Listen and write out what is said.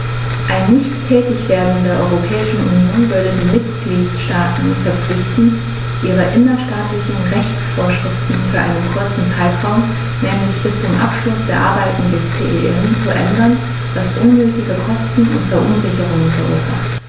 Ein Nichttätigwerden der Europäischen Union würde die Mitgliedstaten verpflichten, ihre innerstaatlichen Rechtsvorschriften für einen kurzen Zeitraum, nämlich bis zum Abschluss der Arbeiten des CEN, zu ändern, was unnötige Kosten und Verunsicherungen verursacht.